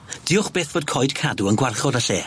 Dioch byth fod coed cadw yn gwarchod y lle.